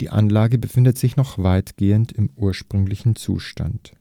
Die Anlage befindet sich noch weitgehend im ursprünglichen Zustand.